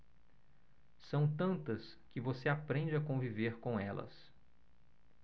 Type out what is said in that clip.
são tantas que você aprende a conviver com elas